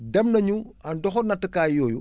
dem nañu ndoxu nattukaay yooyu